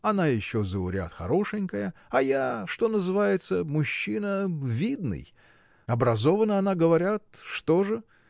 она еще зауряд хорошенькая, а я, что называется, мужчина. видный. Образована она, говорят: что же?